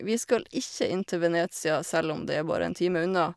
Vi skal ikke inn til Venezia selv om det er bare en time unna.